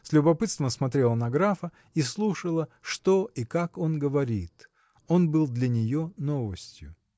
с любопытством смотрела на графа и слушала что и как он говорит он был для нее новостью.